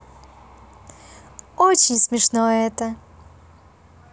очень смешно это